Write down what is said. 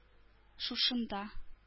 Шушында